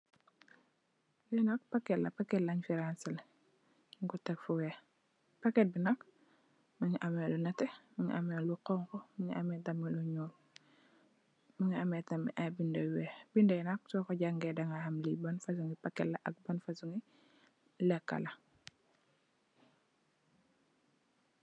Lii nak paket la, paket lañ fi ransaleh, ñungko tek fu weeh, paket bi nak, mungi ameh lu neteh, mungi ameh lu xonxu, mungi ameh tami lu ñuul, mungi ameh tami aye binda yu weeh, binda yi nak soko jangee dangaa ham li ban fasongi paket la, ak ban fasongi leka la.